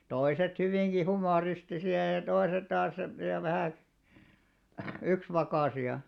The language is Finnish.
toiset hyvinkin humoristisia ja toiset taas ja vähän yksivakaisia